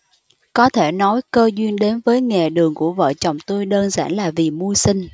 có thể nói cơ duyên đến với nghề đường của vợ chồng tôi đơn giản là vì mưu sinh